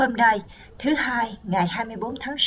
hôm nay thứ hai ngày tháng